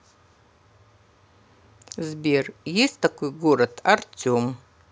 сбер есть такой город артем